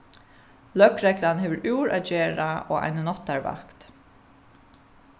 løgreglan hevur úr at gera á eini náttarvakt